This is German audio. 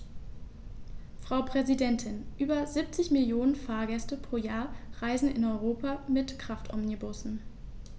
Frau Präsidentin, über 70 Millionen Fahrgäste pro Jahr reisen in Europa mit Kraftomnibussen.